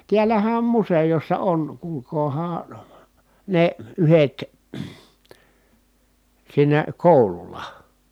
täällähän on museossa on kuulkaahan ne yhdet siinä koululla